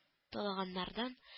Таланганнардан